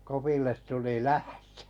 Kopille tuli lähtö